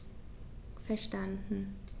Verstanden.